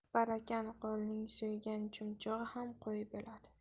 barakah qo'lning so'ygan chumchug'i ham qo'y bo'ladi